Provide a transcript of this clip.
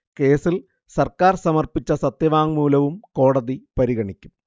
കേസിൽ സർക്കാർ സമർപ്പിച്ച സത്യവാങ്മൂലവും കോടതി പരിഗണിക്കും